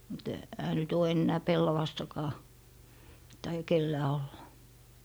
mutta eihän nyt ole enää pellavastakaan taida kenelläkään olla